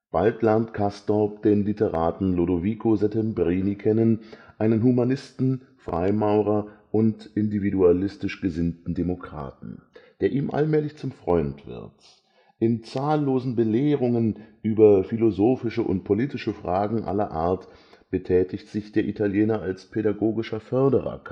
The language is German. Bald lernt Castorp den Literaten Lodovico Settembrini kennen, einen Humanisten, Freimaurer und „ individualistisch gesinnten Demokraten “, der ihm allmählich zum Freund wird. In zahllosen Belehrungen über philosophische und politische Fragen aller Art betätigt sich der Italiener als pädagogischer Förderer Castorps